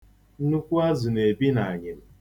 Nnukwu azụ na-ebi n'anyịm.